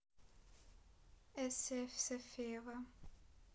asia сафиева